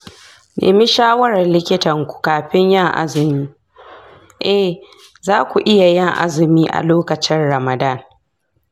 zan iya yin tafiya amma akwai raɗaɗi